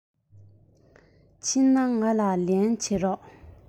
ཕྱིན ན ང ལ ལན བྱིན རོགས